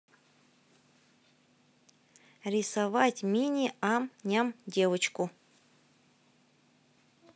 рисовать мини ам ням девочку